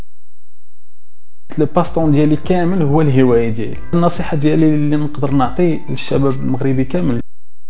لبس كامل وهو يجي نصيحه للشباب